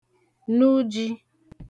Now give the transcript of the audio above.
nụ ji